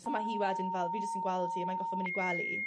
so ma' hi wedyn fel fi jys yn gweld hi a mae'n go'ffo' myn' i gwely